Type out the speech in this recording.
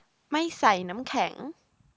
ไม่ใส่น้ำแข็ง